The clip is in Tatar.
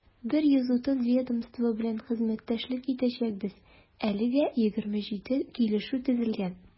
130 ведомство белән хезмәттәшлек итәчәкбез, әлегә 27 килешү төзелгән.